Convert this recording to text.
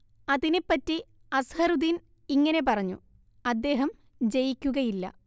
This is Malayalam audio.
അതിനെപ്പറ്റി അസ്‌ഹറുദ്ദീൻ ഇങ്ങനെ പറഞ്ഞു അദ്ദേഹം ജയിക്കുകയില്ല